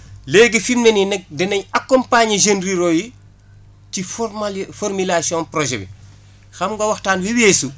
léegi fi mu ne nii nag dinañ accompagner jeunes ruraux yi ci formali formulation projet bi xam nga waxtaan wi weesu